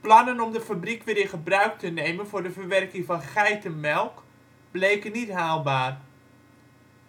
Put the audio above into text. Plannen om de fabriek weer in gebruik te nemen voor de verwerking van geitenmelk bleken niet haalbaar.